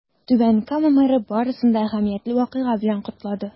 Түбән Кама мэры барысын да әһәмиятле вакыйга белән котлады.